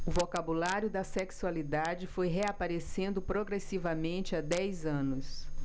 o vocabulário da sexualidade foi reaparecendo progressivamente há dez anos